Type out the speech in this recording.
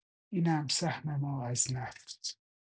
اینم سهم ما از نفت!